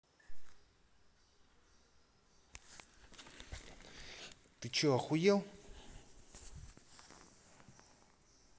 ты че охуел